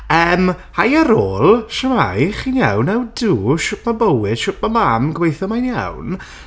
Yym, hiya all! Shwmae? Chi'n iawn? How do? Shwt ma' bywyd? Shwt ma' Mam? Gobeithio mae'n iawn.